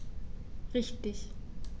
Richtig